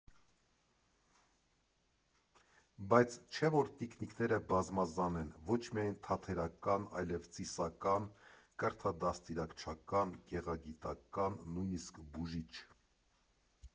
Բայց չէ՞ որ տիկնիկները բազմազան են՝ ոչ միայն թատերական, այլև ծիսական, կրթադաստիարակչական, գեղագիտական, նույնիսկ բուժիչ։